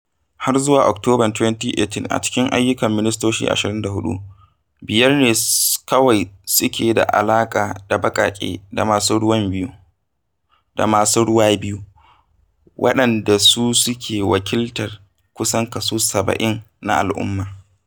Har zuwa Oktoban 2018, a cikin ayyukan ministoci 24, biyar ne kawai suke da alaƙa da baƙaƙe da masu ruwa biyu, waɗanda su suke wakiltar kusan kaso 70 na al'umma.